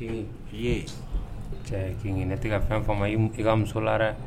Ee k kin ne tɛ ka fɛn fa ma i i ka musoyara